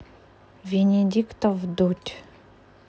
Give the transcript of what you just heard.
венедиктов вдудь